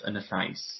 yn y llais